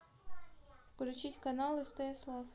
включить канал стс лав